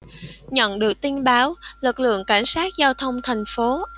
nhận được tin báo lực lượng cảnh sát giao thông thành phố